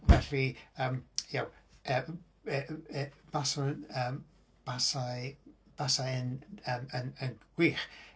Felly yym y'know, yy baswn yym basai basai'n yym yn ymm yn gwych...